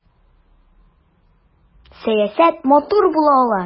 Сәясәт матур була ала!